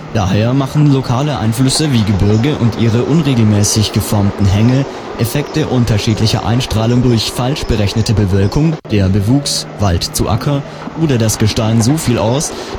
Daher machen lokale Einflüsse wie Gebirge und ihre unregelmäßig geformten Hänge, Effekte unterschiedlicher Einstrahlung durch „ falsch “berechnete Bewölkung, der Bewuchs (Wald zu Acker!) oder das Gestein so viel aus